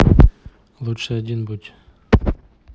лучше один будь